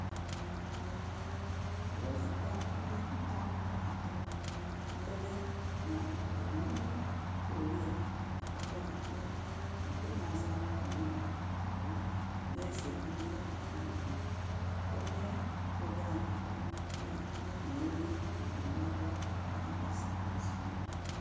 Wezuga ndị ntaakụkọ atọ sitere na The New Courier, a tọhapụrụ ndị nzara ọnụ abụọ na-eso ndị ọkàiwu (onye odeakwụkwọ ya na onye ndụmọdụ mgbasaozi ya).